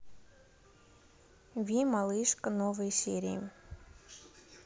ви малышка новые серии